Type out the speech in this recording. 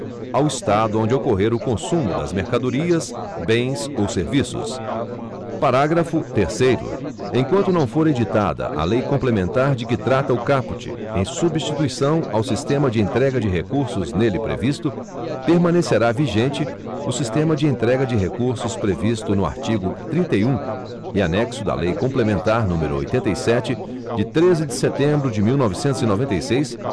ao estado onde ocorrer o consumo das mercadorias bens ou serviços parágrafo terceiro enquanto não for editada a lei complementar de que trata o caput em substituição ao sistema de entrega de recursos nele previsto permanecerá vigente o sistema de entrega de recursos previsto no artigo trinta e um e anexo da lei complementar número oitenta e sete de treze de setembro de mil novecentos e noventa e seis